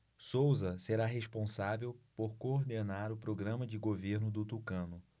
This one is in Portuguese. souza será responsável por coordenar o programa de governo do tucano